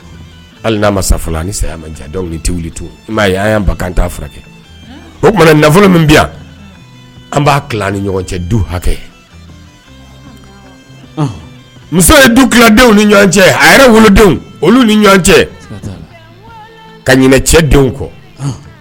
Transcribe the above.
Hali n' masa fɔlɔ ni saya ni to an'an furakɛ o tuma nafolo min bi yan an b'a tila ni ɲɔgɔn cɛ du hakɛ muso ye dudenw ni ɲɔgɔn cɛ a yɛrɛ wolodenw olu ni ɲɔgɔn cɛ ka ɲ cɛ denw kɔ